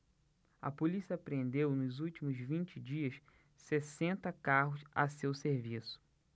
a polícia apreendeu nos últimos vinte dias sessenta carros a seu serviço